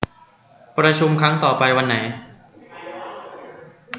ประชุมครั้งต่อไปวันไหน